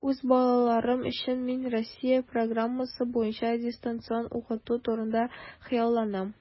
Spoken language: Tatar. Үз балаларым өчен мин Россия программасы буенча дистанцион укыту турында хыялланам.